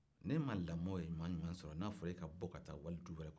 ni e ma lamɔ ɲuman ɲuman sɔrɔ n'a fɔra ko e ka bɔ ka taa wali du wɛ rɛ